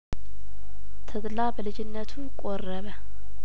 ተድላ በልጅነቱ ቆረበ